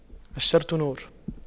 الشرط نور